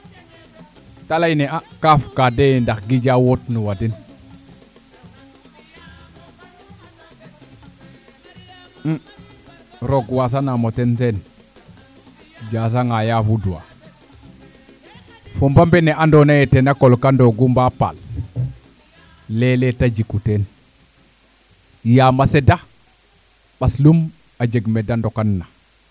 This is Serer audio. te leyne a kaaf ka de ndax gijaa woot nuwa den roog wasanamo te Sene Diassa ŋaaya fudwa fo mbambe ne ando naye tena kolka ndoogub mba paal leg leg te jiku teen yaam a seda ɓaslum a jeg mede ndakan na